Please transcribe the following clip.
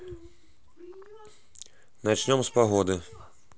начнем с погоды